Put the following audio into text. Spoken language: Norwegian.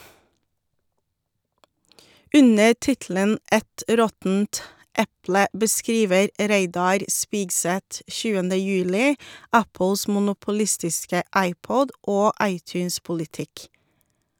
Under tittelen «Et råttent eple» beskriver Reidar Spigseth 7. juli Apples monopolistiske iPod- og iTunes-politikk.